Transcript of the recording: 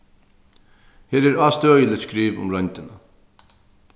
her er ástøðiligt skriv um royndina